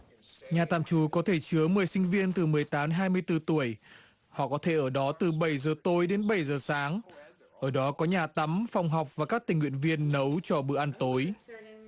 nhà tạm trú có thể chứa mười sinh viên từ mười tám hai mươi tư tuổi họ có thể ở đó từ bảy giờ tối đến bảy giờ sáng ở đó có nhà tắm phòng học và các tình nguyện viên nấu cho bữa ăn tối